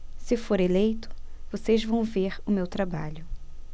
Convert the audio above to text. se for eleito vocês vão ver o meu trabalho